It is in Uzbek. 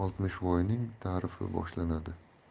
oltmishvoyning tarifi boshlanadi